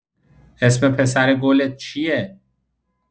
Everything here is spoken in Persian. اسم پسر گلت چیه؟